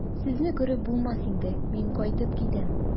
Сезне күреп булмас инде, мин кайтып китәм.